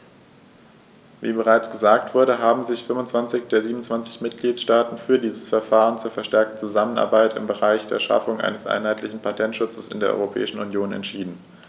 Wie bereits gesagt wurde, haben sich 25 der 27 Mitgliedstaaten für dieses Verfahren zur verstärkten Zusammenarbeit im Bereich der Schaffung eines einheitlichen Patentschutzes in der Europäischen Union entschieden.